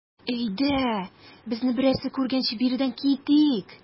Әйдә, безне берәрсе күргәнче биредән китик.